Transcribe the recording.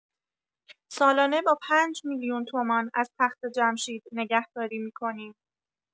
سالانه با ۵ میلیون تومان از تخت‌جمشید نگهداری می‌کنیم!